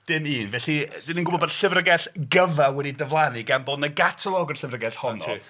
Dim un, felly dan ni'n gwybod bod llyfrgell gyfa wedi diflannu gan bod 'na gatalog o'r llyfrgell honno.